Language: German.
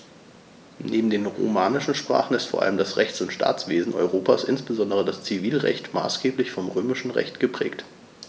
Neben den romanischen Sprachen ist vor allem das Rechts- und Staatswesen Europas, insbesondere das Zivilrecht, maßgeblich vom Römischen Recht geprägt.